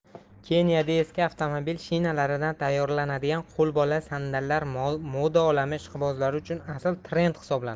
keniyada eski avtomobil shinalaridan tayyorlanadigan qo'lbola sandallar moda olami ishqibozlari uchun asl trend hisoblanadi